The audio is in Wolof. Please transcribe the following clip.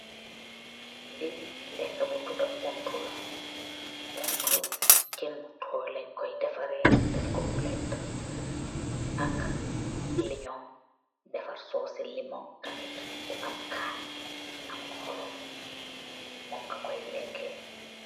ouutu puur lehkaa.